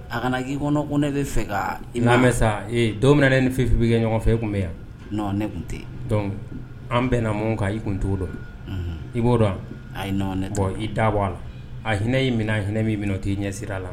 A kana k'i kɔnɔ ko ne bɛ fɛ kaa i namɛ saa e don mina ne ni Fifi be kɛ ɲɔgɔn fɛ e tun be ye wa non ne tun te ye donc an' bɛnna mun kan i kun t'o dɔn unhun i b'o dɔn ayi non ne t'o dɔn bon i da bɔ a la a hinɛ y'i minɛ a hinɛ min minɛ o t'i ɲɛ sira la